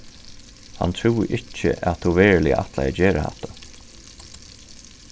hann trúði ikki at tú veruliga ætlaði at gera hatta